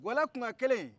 gɛlɛ kunka ɲa kelen in